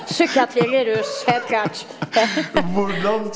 psykiatri eller rus, helt klart ja.